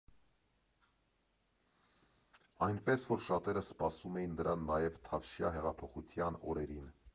Այնպես որ՝ շատերը սպասում էին նրան նաև թավշյա հեղափոխության օրերին։